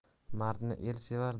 mardni el sevar